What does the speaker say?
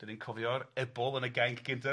Dan ni'n cofio'r ebol yn y Gainc Gynta'